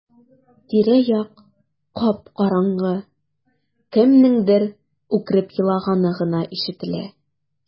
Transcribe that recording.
Тирә-як кап-караңгы, кемнеңдер үкереп елаганы гына ишетелә.